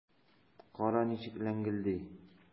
Кара, ничек ләңгелди!